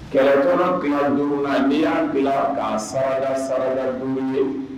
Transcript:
Kɛlɛ dɔrɔn bila don la ni y'an bila ka sara sara dun ye